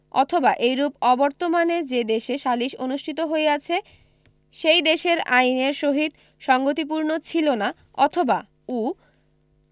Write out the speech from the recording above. অথবা এইরূপ অবর্তমানে যে দেশে সালিস অনুষ্ঠিত হইয়াছে সেই দেশের আইনের সহিত সংগতিপূর্ণ ছিল না অথবা ঊ